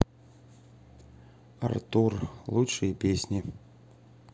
артур лучшие песни